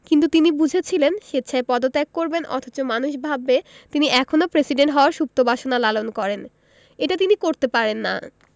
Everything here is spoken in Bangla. কিন্তু তিনি বুঝেছিলেন স্বেচ্ছায় পদত্যাগ করবেন অথচ মানুষ ভাববে তিনি এখনো প্রেসিডেন্ট হওয়ার সুপ্ত বাসনা লালন করেন এটা তিনি করতে পারেন না